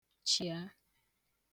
chia